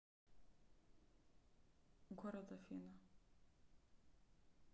город афина